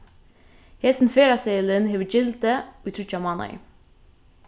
hesin ferðaseðilin hevur gildi í tríggjar mánaðir